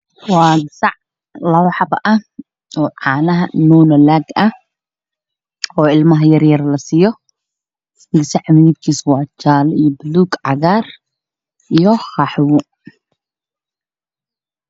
Waa bac labo xabo ah oo canah nuunalac ah gesaca midbkis waa jale io balug io cagar io qaxwo